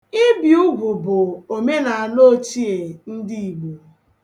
Ibi ugwu bụ omenaala ochie ndị Igbo.